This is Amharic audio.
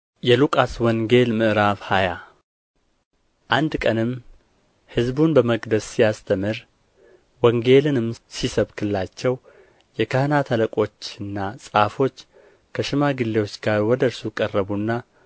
የሉቃስ ወንጌል ምዕራፍ ሃያ አንድ ቀንም ሕዝቡን በመቅደስ ሲያስተምር ወንጌልንም ሲሰብክላቸው የካህናት አለቆችና ጻፎች ከሽማግሌዎች ጋር ወደ እርሱ ቀረቡና